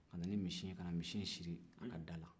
ka na ni misi in ye ka na misi in siri a ka da la